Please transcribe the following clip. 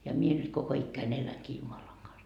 ja minä nyt koko ikäni elänkin Jumalan kanssa